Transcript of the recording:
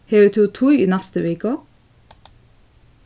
hevur tú tíð í næstu viku